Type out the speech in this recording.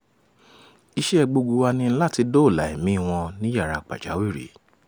Iṣẹ́ẹ gbogbo wa ni láti dóòlà ẹ̀míi wọn ní yàráa pàjàwìrì.